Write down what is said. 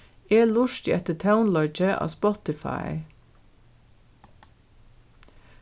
eg lurti eftir tónleiki á spotify